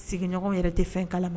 Sigiɲɔgɔnw yɛrɛ tɛ fɛn kalama